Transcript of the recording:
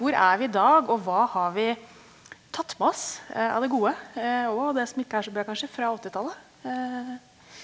hvor er vi i dag og hva har vi tatt med oss av det gode og det som ikke er så bra kanskje fra åttitallet ?